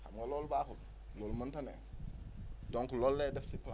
xam nga loolu baaxul loolu mënut a ne donc loolu lay def si plante bi